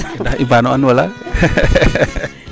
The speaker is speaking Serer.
ndax i mbagano an wala